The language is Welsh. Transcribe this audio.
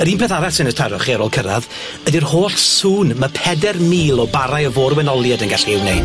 Yr un peth arall sy'n eich taro chi ar ôl cyrradd ydi'r holl sŵn ma' pedair mil o barau o fôr-wenolied yn gallu ei wneud.